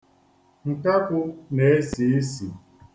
Nkakwụ na-esi isi.